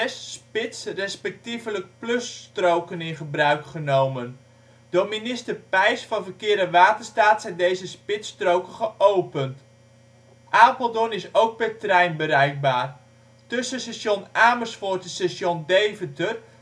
spits - respectievelijk plusstroken in gebruik genomen. Door minister Peijs van verkeer en waterstaat zijn deze spitsstroken geopend. Apeldoorn is ook per trein bereikbaar. Tussen station Amersfoort en station Deventer